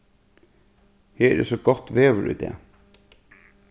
her er so gott veður í dag